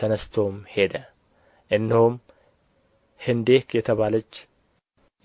ተነሥቶም ሄደ እነሆም ህንደኬ የተባለች